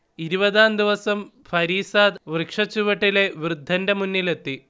ഇരുപതാം ദിവസം ഫരീസാദ്, വൃക്ഷച്ചുവട്ടിലെ വൃദ്ധന്റെ മുന്നിലെത്തി